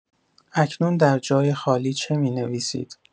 اکنون در جای خالی چه می‌نویسید؟